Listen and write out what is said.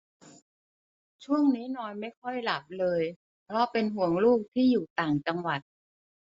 ช่วงนี้นอนไม่ค่อยหลับเลยเพราะเป็นห่วงลูกที่อยู่ต่างจังหวัด